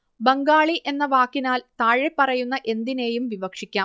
ബംഗാളി എന്ന വാക്കിനാൽ താഴെപ്പറയുന്ന എന്തിനേയും വിവക്ഷിക്കാം